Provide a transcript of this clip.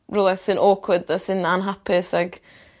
rywle sy'n awkward a sy'n anhapus ag